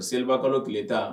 Seliba kalo tileyita